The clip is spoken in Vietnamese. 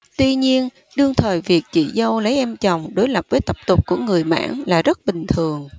tuy nhiên đương thời việc chị dâu lấy em chồng đối với tập tục của người mãn là rất bình thường